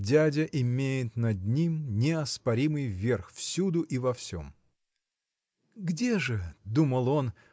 Дядя имеет над ним неоспоримый верх, всюду и во всем. Где же – думал он